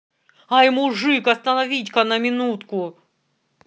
i мужик остановить ка на минутку